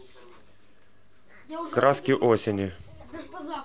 краски осени